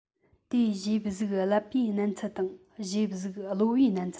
དེས གཞུ དབྱིབས གཟུགས ཀླད པའི གཉན ཚད དང གཞུ དབྱིབས གཟུགས གློ བའི གཉན ཚད